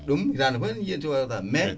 ɗum hiitande foof eɗen jiiya * mais